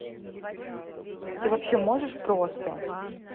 ты вообще можешь просто